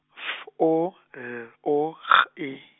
F O L O G E.